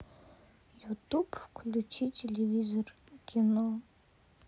ютуб включи телевизор кино